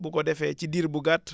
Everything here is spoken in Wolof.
bu ko defee ci diir bu gàtt